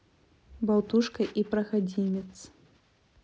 болтушка и проходимец